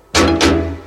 '